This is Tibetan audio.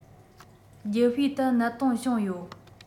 རྒྱུ སྤུས ཐད གནད དོན བྱུང ཡོད